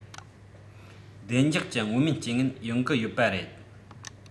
བདེ འཇགས ཀྱི མངོན མེད རྐྱེན ངན ཡོང གི ཡོད པ རེད